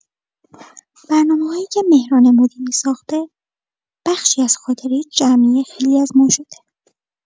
برنامه‌‌هایی که مهران مدیری ساخته، بخشی از خاطره جمعی خیلی از ما شده.